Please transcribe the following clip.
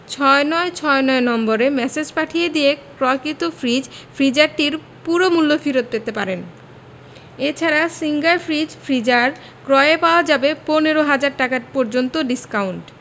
৬৯৬৯ নম্বরে ম্যাসেজ পাঠিয়ে দিয়ে ক্রয়কৃত ফ্রিজ ফ্রিজারটির পুরো মূল্য ফেরত পেতে পারেন এ ছাড়া সিঙ্গার ফ্রিজ ফ্রিজার ক্রয়ে পাওয়া যাবে ১৫ ০০০ টাকা পর্যন্ত ডিসকাউন্ট